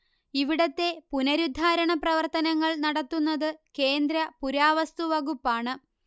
ഇവിടത്തെ പുനരുദ്ധാരണ പ്രവർത്തനങ്ങൾ നടത്തുന്നത് കേന്ദ്ര പുരാവസ്തുവകുപ്പാണ്